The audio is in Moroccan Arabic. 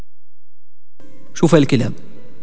شوف الكذب